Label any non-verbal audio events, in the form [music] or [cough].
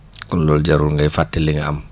[smacks lips] kon loolu jarul ngay fàtte li nga am